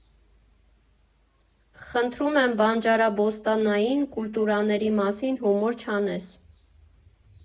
֊ Խնդրում եմ, բանջարաբոստանային կուլտուրաների մասին հումոր չանես։